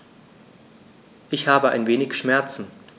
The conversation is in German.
Ich habe ein wenig Schmerzen.